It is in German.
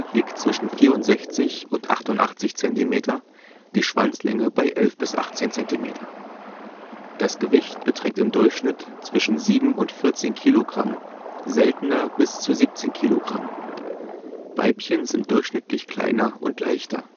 liegt zwischen 64 und 88 cm, die Schwanzlänge bei 11 bis 18 cm. Das Gewicht beträgt im Durchschnitt zwischen 7 und 14 kg, seltener bis zu 17 kg. Weibchen sind durchschnittlich kleiner und leichter